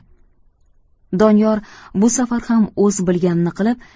doniyor bu safar ham o'z bilganini qilib